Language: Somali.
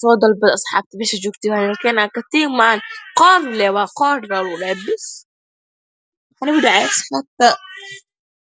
soo dalbada asxaabta meeshaa joogtiin waa niila keenaa katiin mahan qoir waayaa lagu dhahay quruxda caasimada